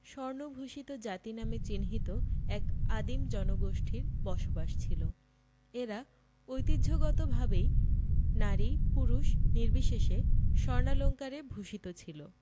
স্বর্ণভূষিত জাতি নামে চিহ্নিত এক আদিম জনগোষ্ঠীর বসবাস ছিল এরা ঐতিহ্যগতভাবেই নারী পুরুষ নির্বিশেষে স্বর্ণালঙ্কারে ভূষিত ছিল